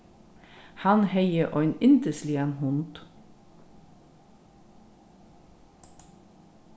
hann hevði ein yndisligan hund